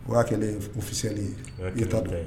O y'a kɛlen ye ko fisɛli yeta don